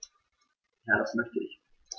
Ja, das möchte ich.